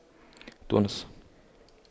تونس